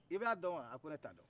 i b'a dɔn wa a ko ne t'a dɔn